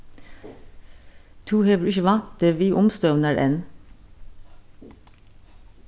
tú hevur ikki vant teg við umstøðurnar enn